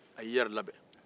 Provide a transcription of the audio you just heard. a y'i yɛrɛ labɛn